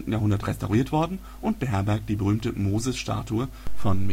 Jahrhundert restauriert worden und beherbergt die berühmte Moses-Statue von